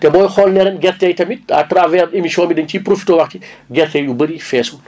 te booy xool ne ren gerte yi tamit à travers émission bi dañ siy profité wax ci gerte yu bëri feesut